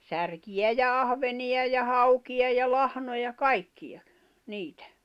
särkiä ja ahvenia ja haukia ja lahnoja kaikkia niitä